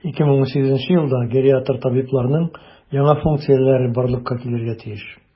2018 елда гериатр табибларның яңа функцияләре барлыкка килергә тиеш.